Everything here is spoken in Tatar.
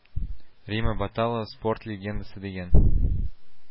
Рима Баталова спорт легендасы дигән